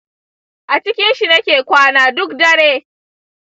a cikin shi nake kwana duk dare.